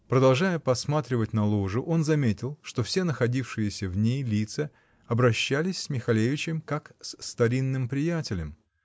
Продолжая посматривать на ложу, он заметил, что все находившиеся в ней лица обращались с Михалевичем, как с старинным приятелем.